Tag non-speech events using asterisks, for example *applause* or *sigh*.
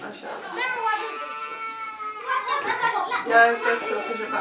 macha allah *crosstalk* *noise* y a une question que j' ai pas